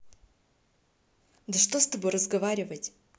да что с тобой разговаривать